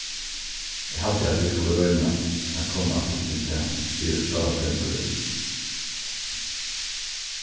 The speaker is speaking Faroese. eg haldi at vit skulu royna at koma aftur til tað sigur sálarfrøðingurin